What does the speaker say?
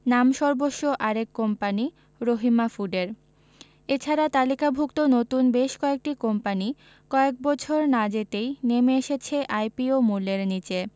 নামসর্বস্ব আরেক কোম্পানি রহিমা ফুডের এ ছাড়া তালিকাভুক্ত নতুন বেশ কয়েকটি কোম্পানি কয়েক বছর না যেতেই নেমে এসেছে আইপিও মূল্যের নিচে